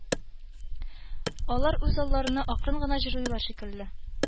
Алар үз алларына акрын гына җырлыйлар шикелле